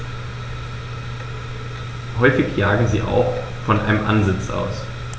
Häufig jagen sie auch von einem Ansitz aus.